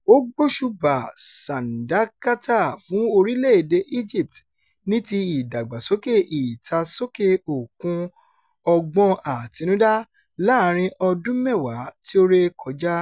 Ó gbóṣùbàa sàńdákátà fún orílẹ̀-èdèe Egypt ní ti “ìdàgbàsókèe ìtàsókè òkun ọgbọ́n àtinudá láàárín ọdún mẹ́wàá tí ó ré kọjá".